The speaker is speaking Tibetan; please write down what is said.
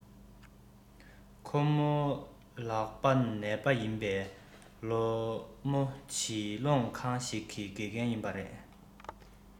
ཁོ མོའི ལག པ ནད པ ཡིན པས ཁོ མོ བྱིས སྐྱོང ཁང ཞིག གི དགེ རྒན ཡིན པ རེད